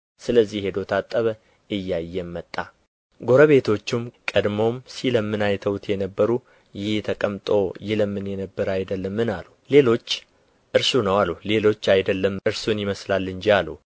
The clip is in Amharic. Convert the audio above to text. ስለዚህ ሄዶ ታጠበ እያየም መጣ ጐረቤቶቹም ቀድሞም ሲለምን አይተውት የነበሩ ይህ ተቀምጦ ይለምን የነበረ አይደለምን አሉ ሌሎች እርሱ ነው አሉ ሌሎች አይደለም እርሱን ይመስላል እንጂ አሉ